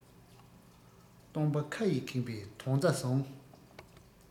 སྟོང པ ཁ ཡིས ཁེངས པའི དོན རྩ བཟུང